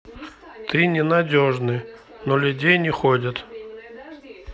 ты не надежны но людей не ходят